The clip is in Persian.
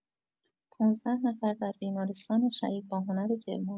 ۱۵ نفر در بیمارستان شهید باهنر کرمان